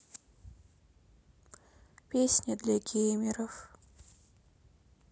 песня для геймеров